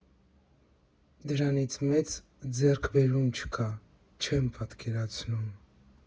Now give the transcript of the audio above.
Դրանից մեծ ձեռքբերում չկա, չեմ պատկերացնում։